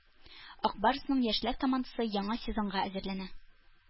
“ак барс”ның яшьләр командасы яңа сезонга әзерләнә